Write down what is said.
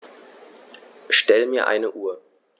Stell mir eine Uhr.